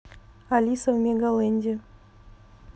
алиса в мегаленде